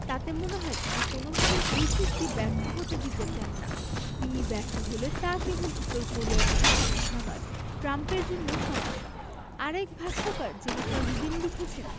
তাতে মনে হয় তিনি কোনোভাবেই এই চুক্তি ব্যর্থ হতে দিতে চান না তিনি ব্যর্থ হলে তা কেবল উত্তর কোরিয়ার জন্য সমস্যা নয় ট্রাম্পের জন্যও সমস্যা আরেক ভাষ্যকার জেনিফার রুবিন লিখেছেন